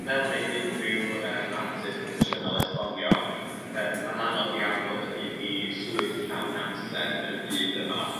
fel wneith unrhyw yym artist proffesiynol esbonio yym ma'n anodd iawn ddod o hud i swydd llawn amser yn y byd yma.